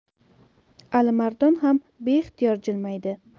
alimardon ham beixtiyor jilmaydi